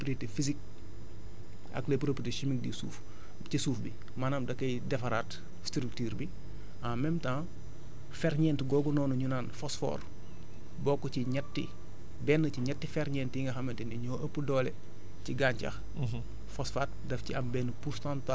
bon dafay agir sur les propriétés physiques ak les propriétés chimiques du suuf ci suuf bi maanaam da koy defaraat structure bi en même temps ferñeent boobu noonu ñu naan phosphore bokk ci ñetti benn ci ñetti ferñeent yi nga xamante ni ñoo ëpp doole ci gàncax